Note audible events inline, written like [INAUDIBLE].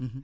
[HESITATION] [HESITATION]